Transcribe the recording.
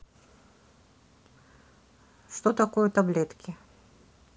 что такое таблетки